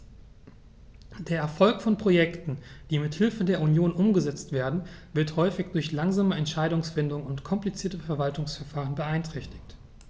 Der Erfolg von Projekten, die mit Hilfe der Union umgesetzt werden, wird häufig durch langsame Entscheidungsfindung und komplizierte Verwaltungsverfahren beeinträchtigt.